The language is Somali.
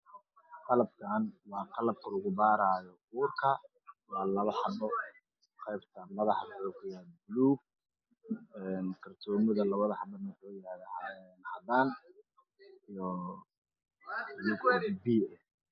Waa qalabka lagu baaro uurka waa laba xabo waa caddaan wasaaran yahay miiska largeysa cadaan yahay